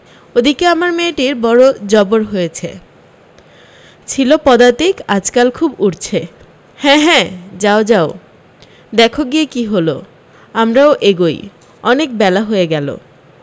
ওদিকে আমার মেয়েটির বড় জবর হয়েছে ছিল পদাতিক আজকাল খুব উড়ছে হ্যাঁ হ্যাঁ যাও যাও দেখ গিয়ে কী হল আমরাও এগোই অনেক বেলা হয়ে গেল